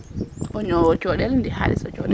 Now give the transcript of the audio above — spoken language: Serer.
o ñowo cooxel ndi xaalis o cooxel